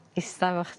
istaw fach